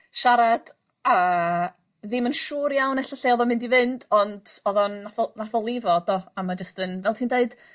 siarad a ddim yn siŵr iawn ella lle odd o'n mynd i fynd ond odd o'n nath o nath o lifo do a ma' jyst yn fel ti'n deud